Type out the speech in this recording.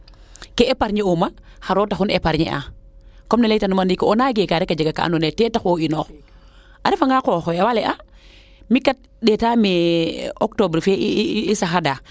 ke epargne uuma xaro taxu im epargne a comme ne leytan ma ndiiki rek ona geeka a jaga ka ando naye te taxu o inoox a refa nga o qoxoox oxe awaa leya a mi katv ndetaame octobre fee i saxada